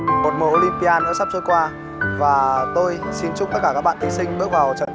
một mùa ô lim pi a nữa sắp trôi qua và tôi xin chúc tất cả các bạn thí sinh bước vào